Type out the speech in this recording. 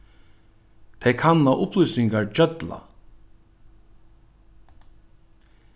tey kanna upplýsingar gjølla